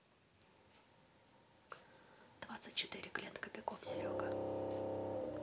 двадцать четыре глент кобяков серега